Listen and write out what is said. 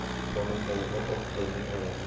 cho'ponning tayog'i otlining oyog'i